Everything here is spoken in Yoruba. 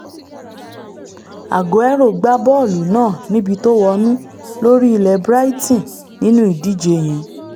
Aguero gba bọ́ọ̀lù náà níbi tówọnú lórí ilẹ̵̀ Brighton nínú ìdíje yẹn.